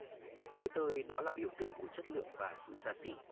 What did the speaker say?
với tôi đó là biểu tượng của chất lượng và sự xa xỉ